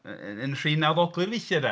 Yn rhy nawddoglyd weithie 'de.